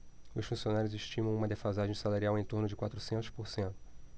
os funcionários estimam uma defasagem salarial em torno de quatrocentos por cento